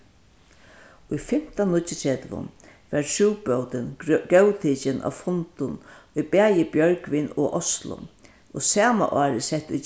í fimtan níggjuogtretivu varð trúbótin góðtikin á fundum í bæði bjørgvin og oslo og sama ár sett í